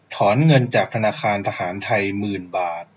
ถอนเงินจากธนาคารทหารไทยหมื่นบาท